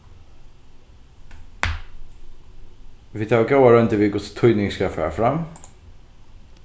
vit hava góðar royndir við hvussu týning skal fara fram